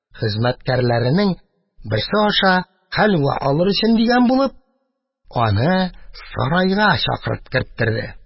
Хезмәткәрләренең берсе аша, хәлвә алыр өчен дигән булып, аны сарайга чакырып керттерде.